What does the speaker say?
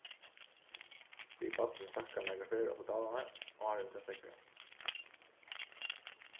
bið barnið traðka nakrar ferðir á pedalarnar áðrenn tað steðgar